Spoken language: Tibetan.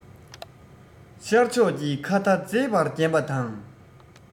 ཤར ཕྱོགས ཀྱི མཁའ མཐའ མཛེས པར བརྒྱན པ དང